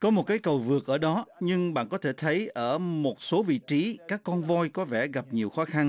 có một cây cầu vượt ở đó nhưng bạn có thể thấy ở một số vị trí các con voi có vẻ gặp nhiều khó khăn